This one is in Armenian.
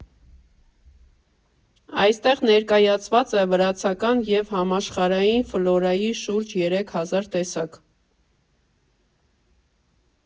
Այստեղ ներկայացված է վրացական և համաշխարհային ֆլորայի շուրջ երեք հազար տեսակ։